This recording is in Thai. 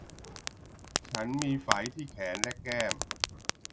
ฉันมีไฝที่แขนและแก้ม